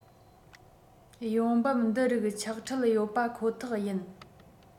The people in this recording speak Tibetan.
ཡོང འབབ འདི རིགས ཆག འཕྲད ཡོད པ ཁོ ཐག ཡིན